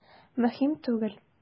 Мөһим түгел.